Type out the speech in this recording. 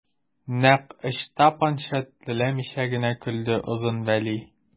Нәкъ Ычтапанча теләмичә генә көлде Озын Вәли.